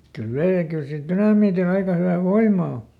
kyllä vei ja kyllä sillä dynamiitilla aika hyvä voima on